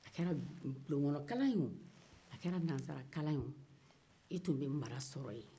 a kɛra bulonkɔnɔkalan ye woo a kɛra nazarakalan ye woo i tun bɛ mara sɔrɔ yen